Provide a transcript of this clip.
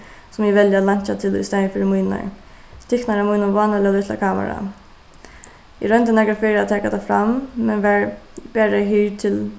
sum eg velji at leinkja til í staðin fyri mínar tiknar á mínum vánaliga lítla kamera eg royndi nakrar ferðir at taka tað fram men varð bara hird til